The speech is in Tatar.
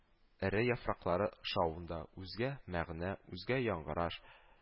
Эре яфраклары шавында үзгә мәгънә, үзгә яңгыраш